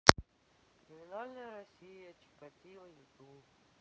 криминальная россия чикатило ютуб